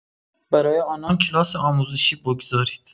برای آنان کلاس آموزشی بگذارید.